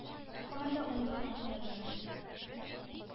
Һаман да унлы лампалар яна.